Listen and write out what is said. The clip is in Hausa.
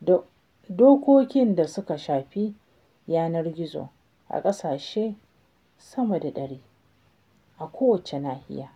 da dokokin da suka shafi yanar gizo a ƙasashe sama da 100 a kowace nahiya.